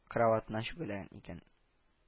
Араватына чүгәләгән икән. —